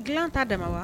Dilan ta da wa